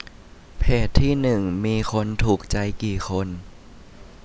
เพจที่หนึ่งมีคนถูกใจกี่คน